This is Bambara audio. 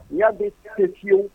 N y'a bɛ se fiwu